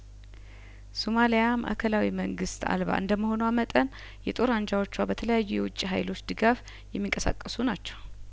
ሶማሊያ ማእከላዊ መንግስት አልባ እንደመሆንዋ መጠን የጦር አንጃዎችዋ በተለያዩ የውጭ ሀይሎች ድጋፍ የሚንቀሳቀሱ ናቸው